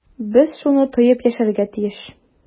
Без шуны тоеп яшәргә тиеш.